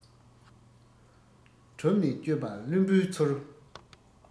གྲུབ ནས དཔྱོད པ བླུན པོའི ཚུལ